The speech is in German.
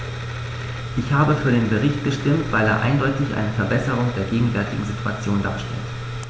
Ich habe für den Bericht gestimmt, weil er eindeutig eine Verbesserung der gegenwärtigen Situation darstellt.